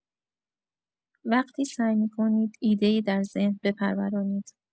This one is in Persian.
وقتی سعی می‌کنید ایده‌ای در ذهن بپرورانید.